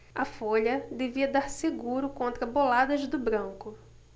a folha devia dar seguro contra boladas do branco